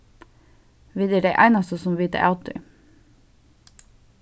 vit eru tey einastu sum vita av tí